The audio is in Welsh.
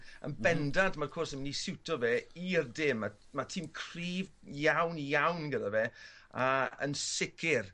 Yn bendant ma'r cwrs yn myn' i siwtio fe i'r dim a ma' tîm cryf iawn iawn gyda fe a yn sicir